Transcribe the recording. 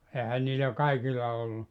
eihän niillä kaikilla ollut